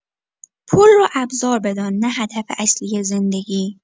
پول را ابزار بدان نه هدف اصلی زندگی.